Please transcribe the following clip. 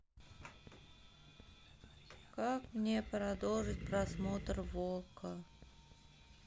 как мне продолжить просмотр в окко